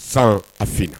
San a f